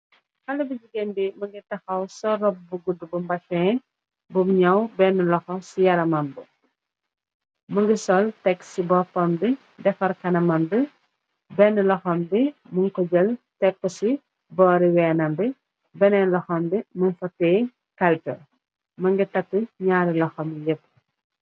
Haley bu jigéen bi mungi tahaw so rob bu guddu bu mbasen bu ñëw benn loxo ci yaramam bi, mu ngi sol tek ci boppam bi, defar kanamam bi. Benn loham bi mungi ko jël tekk ko ci boori weenam bi, beneen loham bi mung fa teeh calpeh, mungi takk ñaari loham yépp.